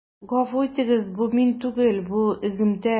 Гафу итегез, бу мин түгел, бу өземтә.